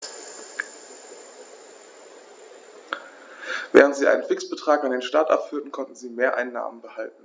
Während sie einen Fixbetrag an den Staat abführten, konnten sie Mehreinnahmen behalten.